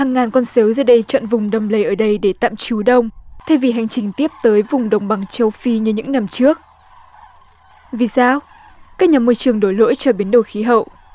hàng ngàn con sếu ra đây chọn vùng đầm lầy ở đây để tạm trú đông thay vì hành trình tiếp tới vùng đồng bằng châu phi như những năm trước vì sao các nhà môi trường đổi lỗi cho biến đổi khí hậu